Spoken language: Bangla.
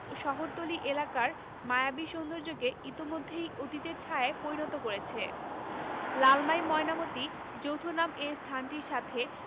শহরতলি এখানকার মায়াবী সৌন্দর্যকে ইতোমধ্যেই অতীতের ছায়ায় পরিণত করেছে লালমাই ময়নামতী যৌথনাম এ স্থানটির সাথে